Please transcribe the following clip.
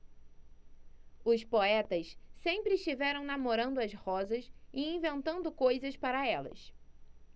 os poetas sempre estiveram namorando as rosas e inventando coisas para elas